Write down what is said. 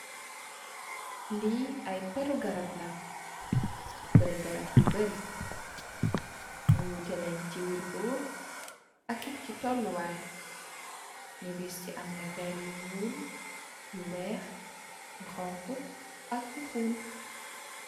Li ay pééru garap la, pééru garap yu barri, wuteh neen ci wirgo ak tolluway. Ñi gis ci am na péér yu ñuul, wèèx, xonxu ak yu xuun.